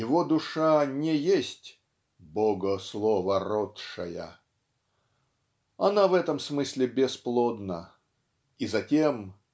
Его душа не есть "Бога-Слово родшая"; она в этом смысле бесплодна. И затем